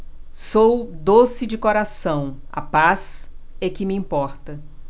sou doce de coração a paz é que me importa